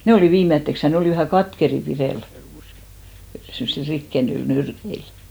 ne oli viimeiseksi ja ne oli vähän katkeria pidellä semmoisilla rikkeimillä nyrkeillä